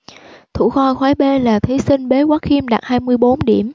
thủ khoa khối b là thí sinh bế quốc khiêm đạt hai mươi bốn điểm